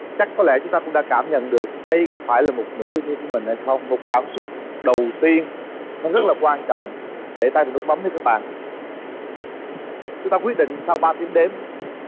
chắc có lẽ chúng ta cũng đã cảm nhận được đây có phải là một nửa yêu thương của mình hay không một cảm xúc đầu tiên nó rất là quan trọng để tay vào nút bấm đi các bạn chúng ta quyết định sau ba tiếng đếm